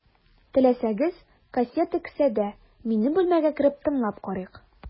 Теләсәгез, кассета кесәдә, минем бүлмәгә кереп, тыңлап карыйк.